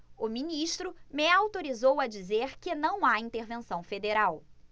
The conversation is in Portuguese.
o ministro me autorizou a dizer que não há intervenção federal